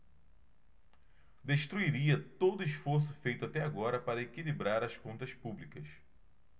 destruiria todo esforço feito até agora para equilibrar as contas públicas